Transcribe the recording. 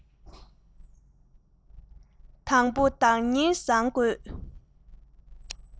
དང བོ བདག གཉེར བཟང དགོས